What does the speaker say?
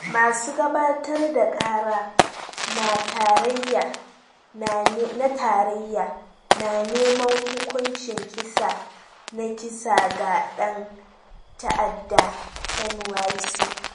Masu gabatar da kara na tarayya na neman hukuncin kisa na kisa ga dan ta’adda NYC